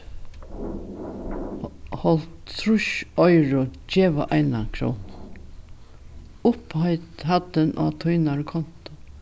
hálvtrýssoyru geva eina krónu hæddin tínari kontu